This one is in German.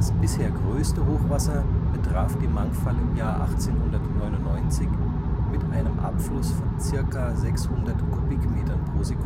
bisher größte Hochwasser betraf die Mangfall im Jahr 1899, mit einem Abfluss von ca. 600 m³/s